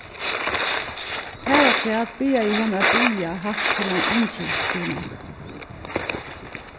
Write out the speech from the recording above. harafturat byrjaði hon at biðja hart til ein eingil fyri mær